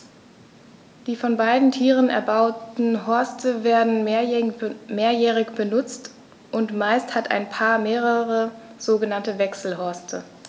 Die von beiden Tieren erbauten Horste werden mehrjährig benutzt, und meist hat ein Paar mehrere sogenannte Wechselhorste.